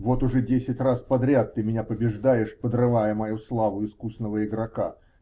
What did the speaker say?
Вот уже десять раз подряд ты меня побеждаешь, подрывая мою славу искусного игрока.